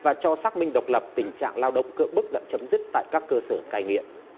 và cho xác minh độc lập tình trạng lao động cưỡng bức đã chấm dứt tại các cơ sở cai nghiện